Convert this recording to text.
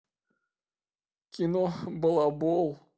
кино балабол